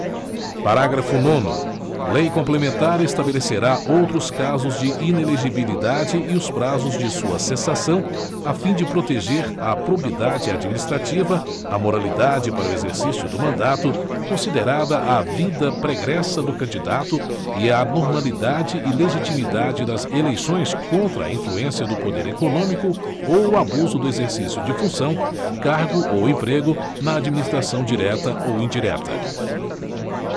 parágrafo nono lei complementar estabelecerá outros casos de inelegibilidade e os prazos de sua cessação a fim de proteger a probidade administrativa a moralidade para o exercício do mandato considerada a vida pregressa do candidato e a normalidade e legitimidade das eleições contra a influência do poder econômico ou o abuso do exercício de função cargo ou emprego na administração direta ou indireta